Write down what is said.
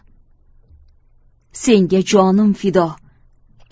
senga jonim fido